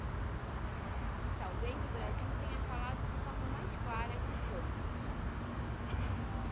talvez o brasil tenha falado de forma mais clara que os outros